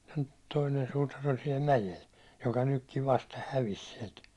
toinen suutari oli siellä mäellä joka nytkin vasta hävisi sieltä